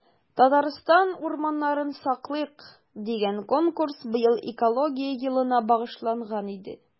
“татарстан урманнарын саклыйк!” дигән конкурс быел экология елына багышланган иде.